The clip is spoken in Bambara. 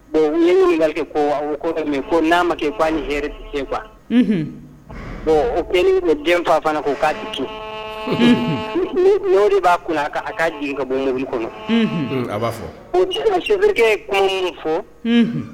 Bon ko ko n'a ma ke ni h den o kɛlen denfa fana k'o ka di b'a kun a a ka jigin ka bɔ kɔnɔ a b'a fɔ kɔn fɔ